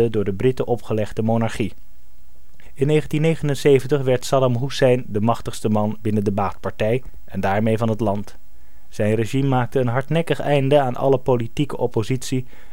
door de Britten opgelegde monarchie. In 1979 werd Saddam Hoessein de machtigste man binnen de Ba'ath-partij en daarmee van het land. Zijn regime maakte een hardhandig einde aan alle politieke oppositie